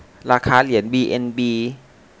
ราคาเหรียญบีเอ็นบี